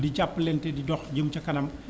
di jàppalantye di dox jëm ca kanam